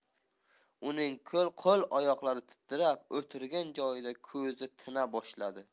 uning qo'l oyoqlari titrab o'tirgan joyida ko'zi tina boshladi